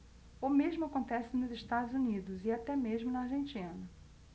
o mesmo acontece nos estados unidos e até mesmo na argentina